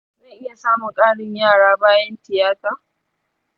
zan iya samun ƙarin yara bayan tiyata?